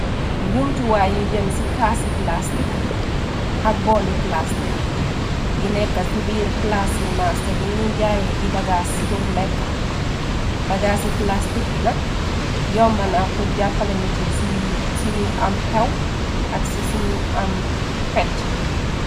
Njumtuwaay yi jëm ci kaasi plastik ak bowli plastik yi nekka ci biir plassi marse bi ñuy jaaye ay bagaas pur lekka bagass ci plastik nak yombana pul jàppale nit yi ci si ñuy am xew ak ci ci ñuy am fett.